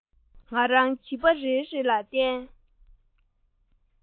ང རང བྱིས པ རེ རེ ལ བསྟན